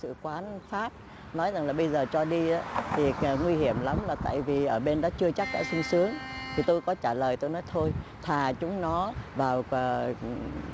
sự quán pháp nói rằng là bây giờ cho đi thì càng nguy hiểm lắm là tại vì ở bên đó chưa chắc đã sun sướn vì tôi có trả lời tôi nói thôi thà chúng nó vào à